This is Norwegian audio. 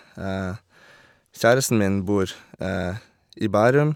Kjæresten min bor i Bærum.